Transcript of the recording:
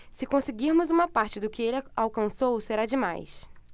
se conseguirmos uma parte do que ele alcançou será demais